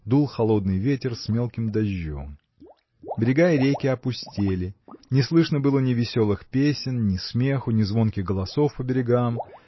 дул холодный ветер с мелким дождем. Берега реки опустели не слышно было ни веселых песен ни смеху ни звонких голосов по берегам